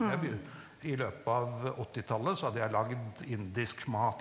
jeg i løpet av åttitallet så hadde jeg lagd indisk mat.